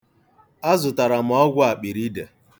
Azụtara m ọgwụ akpịriide.